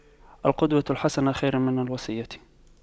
القدوة الحسنة خير من الوصية